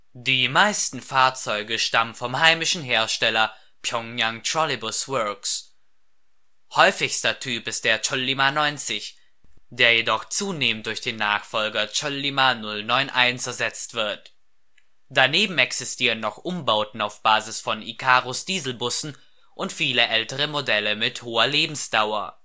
Die meisten Fahrzeuge stammen vom heimischen Hersteller Pyongyang Trolleybus Works. Häufigster Typ ist der Ch’ ŏllima-90, der jedoch zunehmend durch den Nachfolger Ch’ ŏllima-091 ersetzt wird. Daneben existieren noch Umbauten auf Basis von Ikarus-Dieselbussen und viele ältere Modelle mit hoher Lebensdauer